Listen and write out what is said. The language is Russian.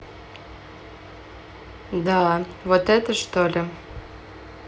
да вот это что ли